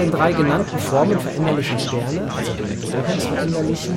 Darüber hinaus gibt es